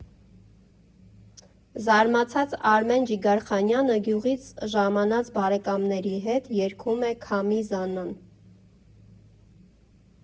Զարմացած Արմեն Ջիգարխանյանը գյուղից ժամանած «բարեկամների» հետ երգում է «Քամի զանա»֊ն…